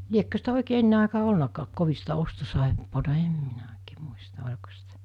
liekö sitä oikein ennen aikaa ollutkaan kovin sitä ostosaippuaa en minä oikein muista oliko sitä